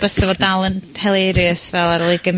...byso fo dal yn hilarious fel ar ôl ugen...